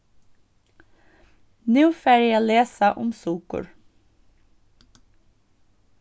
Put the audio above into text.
nú fari eg at lesa um sukur